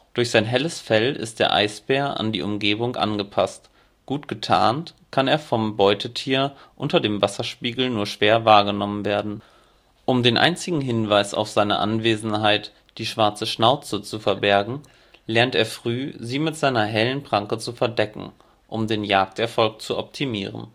Durch sein helles Fell ist der Eisbär an die Umgebung angepasst; gut getarnt kann er vom Beutetier unter dem Wasserspiegel nur schwer wahrgenommen werden. Um den einzigen Hinweis auf seine Anwesenheit, die schwarze Schnauze, zu verbergen, lernt er früh, sie mit seiner hellen Pranke zu verdecken, um den Jagderfolg zu optimieren